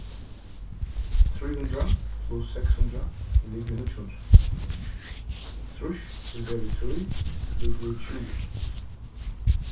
trý hundrað pluss seks hundrað er ligvið níggju hundrað trýss dividerað við trý ligvið tjúgu